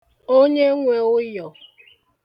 onyenwē ụyọ̀